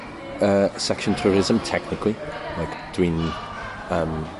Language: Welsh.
yy y section tourism technically like dwi'n yym